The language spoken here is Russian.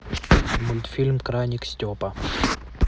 мультфильм краник степа